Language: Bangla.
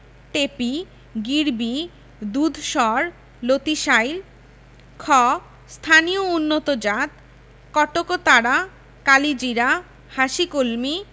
টেপি গিরবি দুধসর লতিশাইল খ স্থানীয় উন্নতজাতঃ কটকতারা কালিজিরা হাসিকলমি